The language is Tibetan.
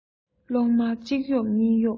ལག ཤོག དམར གཅིག གཡོབ གཉིས གཡོབ